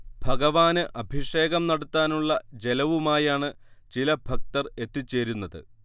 ഭഗവാന് അഭിഷേകം നടത്താനുള്ള ജലവുമായാണ് ചില ഭക്തർ എത്തിച്ചേരുന്നത്